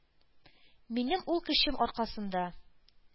Минем кул көчем аркасында